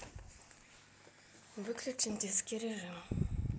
выключен детский режим